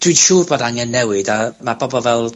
dwi'n siŵr bod angen newid, a, ma' bobol fel...